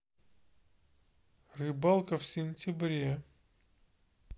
рыбалка в сентябре